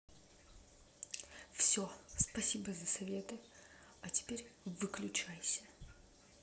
все спасибо за советы а теперь выключайся